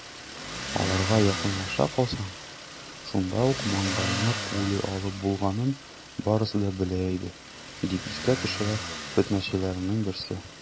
Аларга якынлаша калсаң, шунда ук маңгаеңа пуля алып булганын барысы да белә иде, - дип искә төшерә фетнәчеләрнең берсе.